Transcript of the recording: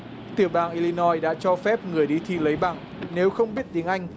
tiểu bang i noi đã cho phép người đi thi lấy bằng nếu không biết tiếng anh